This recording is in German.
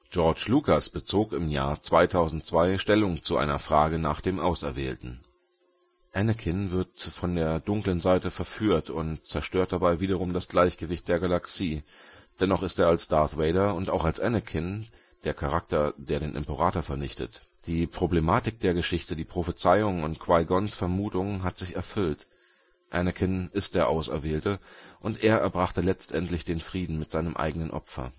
George Lucas bezog im Jahr 2002 Stellung zu einer Frage nach dem Auserwählten: „ Anakin wird von der dunklen Seite verführt und zerstört dabei wiederum das Gleichgewicht der Galaxie, dennoch ist er als Darth Vader - und auch als Anakin - der Charakter, der den Imperator vernichtet. Die Problematik der Geschichte, die Prophezeiung und Qui-Gons Vermutung hat sich erfüllt - Anakin ist der Auserwählte und er erbrachte letztendlich den Frieden mit seinem eigenen Opfer